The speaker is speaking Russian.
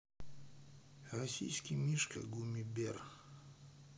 российский мишка гумми бер